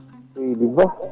seydi Ba